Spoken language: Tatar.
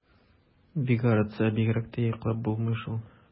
Бик арытса, бигрәк тә йоклап булмый шул.